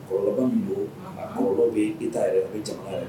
Kɔrɔba minnu don kɔrɔ bɛita yɛrɛ bɛ jamana ye